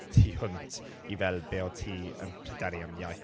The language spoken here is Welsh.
Ti hwnt i fel, be o't ti yn pryderu am iaith?